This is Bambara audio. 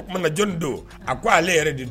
O tumaumana jɔnni don a ko ale yɛrɛ de